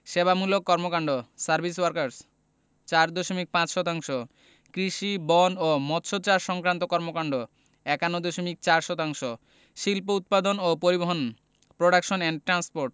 সেবামূলক কর্মকান্ড service works ৪ দশমিক ৫ শতাংশ কৃষি বন ও মৎসচাষ সংক্রান্ত কর্মকান্ড ৫১ দশমিক ৪ শতাংশ শিল্প উৎপাদন ও পরিবহণ প্রোডাকশন এন্ড ট্রান্সপোর্ট